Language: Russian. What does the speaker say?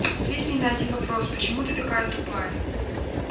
ответь мне на один вопрос почему ты такая тупая